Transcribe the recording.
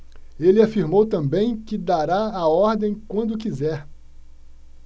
ele afirmou também que dará a ordem quando quiser